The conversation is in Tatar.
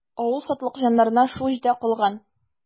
Авыл сатлыкҗаннарына шул җитә калган.